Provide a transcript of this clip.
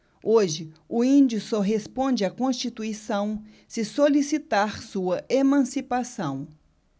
hoje o índio só responde à constituição se solicitar sua emancipação